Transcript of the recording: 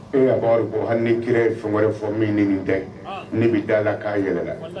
Ko hali ni kira fɛn wɛrɛ fɔ min ne nin da ne bɛ da la k'a yɛrɛ la